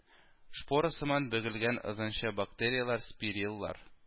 Шпорсыман бөгелгән озынча бактерияләр спириллар